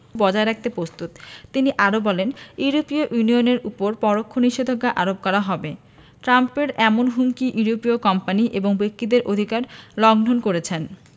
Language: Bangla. বজায় রাখতে প্রস্তুত তিনি আরও বলেন ইউরোপীয় ইউনিয়নের ওপর পরোক্ষ নিষেধাজ্ঞা আরোপ করা হবে ট্রাম্পের এমন হুমকি ইউরোপীয় কোম্পানি এবং ব্যক্তিদের অধিকার লঙ্ঘন করেছে